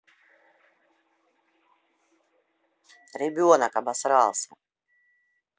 ребенок обосрался